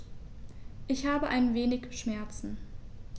Ich habe ein wenig Schmerzen.